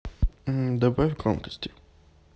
добавь громкости